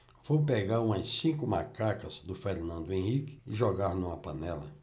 vou pegar umas cinco macacas do fernando henrique e jogar numa panela